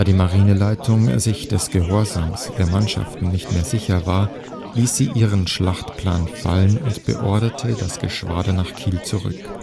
Marineleitung sich des Gehorsams der Mannschaften nicht mehr sicher war, ließ sie ihren Schlachtplan fallen und beorderte das Geschwader nach Kiel zurück